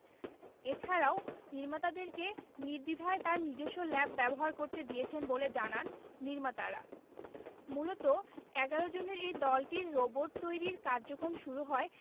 এছাড়াও নির্মাতাদেরকে নির্দ্বিধায় তার নিজস্ব ল্যাব ব্যবহার করতে দিয়েছেন বলে জানান নির্মাতারা মূলত ১১ জনের এই দলটির রোবট তৈরির কার্যক্রম শুরু হয়